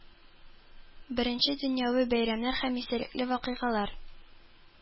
Беренче дөньяви бәйрәмнәр һәм истәлекле вакыйгалар